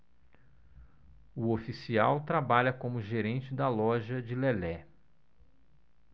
o oficial trabalha como gerente da loja de lelé